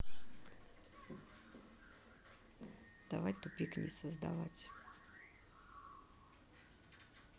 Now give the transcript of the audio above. давай тупик не создавать